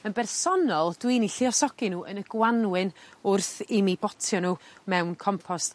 yn bersonol dwi'n 'u lluosogi n'w yn y Gwanwyn wrth i mi botio n'w mewn compost